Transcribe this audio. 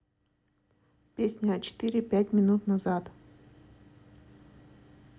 песня а четыре пять минут назад